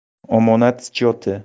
omonat schyoti